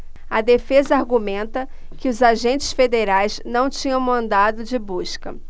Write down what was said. a defesa argumenta que os agentes federais não tinham mandado de busca